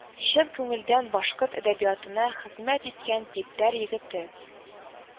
Чын күңелдән башкорт әдәбиятына хезмәт иткән типтәр егете